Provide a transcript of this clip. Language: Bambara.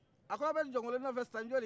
a k'aw bɛ jɔnkɔloni nɛfɛ sanjoli